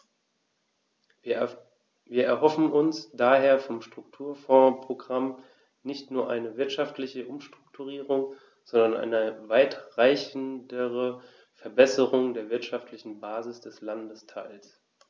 Wir erhoffen uns daher vom Strukturfondsprogramm nicht nur eine wirtschaftliche Umstrukturierung, sondern eine weitreichendere Verbesserung der wirtschaftlichen Basis des Landesteils.